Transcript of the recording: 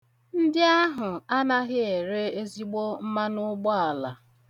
Ndi ahụ anaghị ere ezigbo mmanụụgbaala.